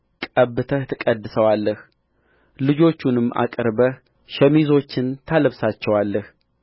ቀብተህ ትቀድሰዋለህ ልጆቹንም አቅርበህ ሸሚዞችን ታለብሳቸዋለህ